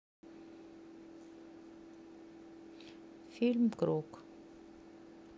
фильм круг